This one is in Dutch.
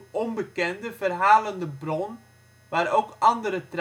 onbekende verhalende bron waar ook andere tradities